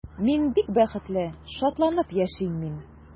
Мин бик бәхетле, шатланып яшим мин.